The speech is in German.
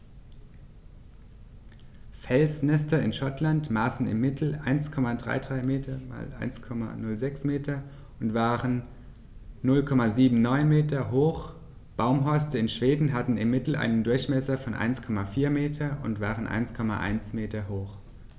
Felsnester in Schottland maßen im Mittel 1,33 m x 1,06 m und waren 0,79 m hoch, Baumhorste in Schweden hatten im Mittel einen Durchmesser von 1,4 m und waren 1,1 m hoch.